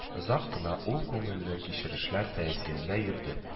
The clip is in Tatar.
Озак кына ул күңелле кичерешләр тәэсирендә йөрде